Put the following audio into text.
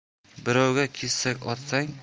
birovga kesak otsang